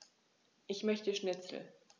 Ich möchte Schnitzel.